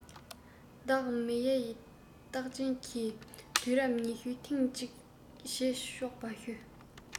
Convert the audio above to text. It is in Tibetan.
བདག མེལ ཡའི རྟགས ཅན གྱི དུས རབས ཉི ཤུའི ཐེངས ཤིག བྱེད ཆོག པར ཞུ